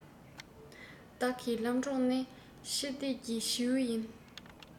བདག གི ལམ གྲོགས ནི ཆར སྡོད ཀྱི བྱེའུ ཡིན